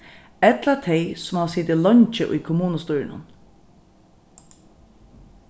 ella tey sum hava sitið leingi í kommunustýrinum